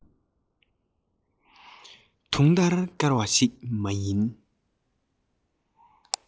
དུང ལྟར དཀར བ ཞིག མ ཡིན